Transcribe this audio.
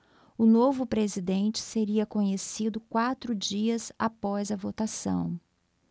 o novo presidente seria conhecido quatro dias após a votação